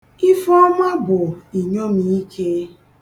Ifeọma bụ inyomiike.